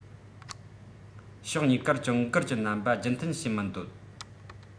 ཕྱོགས གཉིས ཀར གྱོང འགུལ གྱི རྣམ པ རྒྱུན མཐུད བྱེད མི འདོད